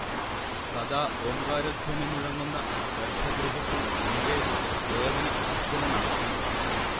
സദാ ഓംകാരധ്വനി മുഴങ്ങുന്ന ഗർഭഗൃഹത്തിൽ മങ്കേഷ് ദേവന് അർച്ചന നടത്തി